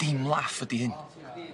Dim laff ydi hyn.